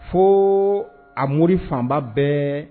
Fo a m fanba bɛ